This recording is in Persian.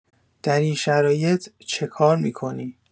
در این شرایط چه کار می‌کنی؟